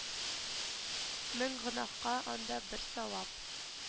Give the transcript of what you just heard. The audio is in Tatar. Мең гонаһка анда бер савап